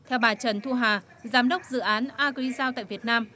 theo bà trần thu hà giám đốc dự án a cờ ri dao tại việt nam